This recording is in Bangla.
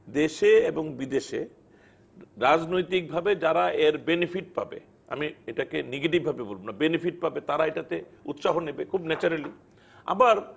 দেশে এবং বিদেশে রাজনৈতিকভাবে যারা এর বেনিফিট পাবে আমি এটাকে নেগেটিভ ভাবে বলবো না বেনিফিট পাবে তারা এটা তে উৎসাহ নিবে খুব ন্যাচারালি আবার